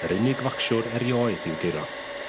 Yr unig focsiwr erioed i'w guro.